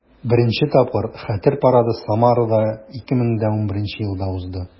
Беренче тапкыр Хәтер парады Самарада 2011 елда узды.